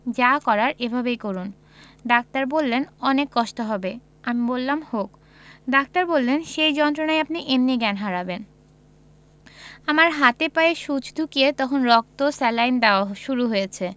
যা করার এভাবেই করুন ডাক্তার বললেন অনেক কষ্ট হবে আমি বললাম হোক ডাক্তার বললেন সেই যন্ত্রণায় আপনি এমনি জ্ঞান হারাবেন আমার হাতে পায়ে সুচ ঢুকিয়ে তখন রক্ত স্যালাইন দেওয়া শুরু হয়েছে